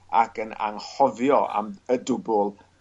ac yn anghofio am y dwbwl